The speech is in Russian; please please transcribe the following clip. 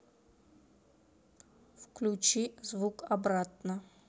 включи звук обратно